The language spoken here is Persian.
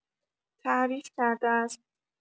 تعریف کرده است